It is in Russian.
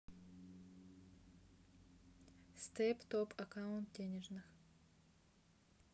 steep топ аккаунтов денежных